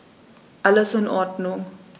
Alles in Ordnung.